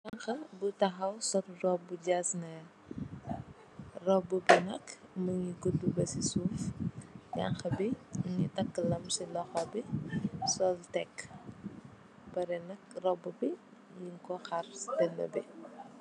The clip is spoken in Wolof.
Jànghar bu tahaw sol robu jaznèrr. Robbi bi nak mungi guddu ba ci suuf. Jànghar bi mungi takk lam ci loho bi, sol tekk. Parè nak robu bi nung ko har ci digi bi.